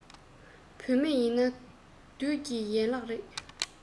བུད མེད ཡིན ན བདུད ཀྱི ཡན ལག རེད